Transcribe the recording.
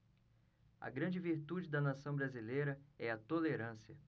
a grande virtude da nação brasileira é a tolerância